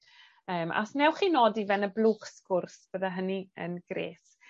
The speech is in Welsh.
Yym a os newch chi nodi fe yn y blwch sgwrs fydde hynny yn grêt.